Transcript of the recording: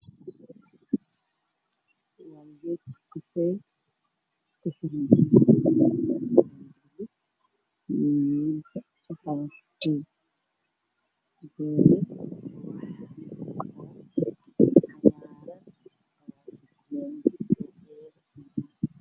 Waxaa ii muuqda weel geed ka sameysan oo ka dhex baxaayo Cod dhaadheer darbiga way cadaan